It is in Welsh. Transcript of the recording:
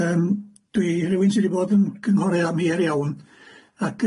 yym dwi rywun sy 'di bod yn cynghorydd am hir iawn ac